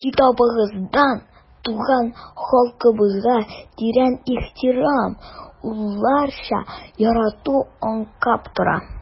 Китабыгыздан туган халкыбызга тирән ихтирам, улларча ярату аңкып тора.